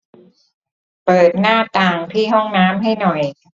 เปิดหน้าต่างที่ห้องน้ำให้หน่อย